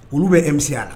Olu bɛ emiya la